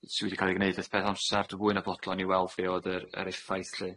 sy wedi ca'l 'i gneud wrth peth amsar, dwi fwy na bodlon i weld be' o'dd yr yr effaith lly.